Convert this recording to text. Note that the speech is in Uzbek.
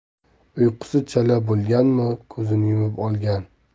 uyqusi chala bo'lganmi ko'zini yumib olgan